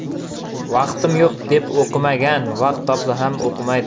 vaqtim yo'q deb o'qimagan vaqt topsa ham o'qimaydi